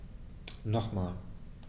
Nochmal.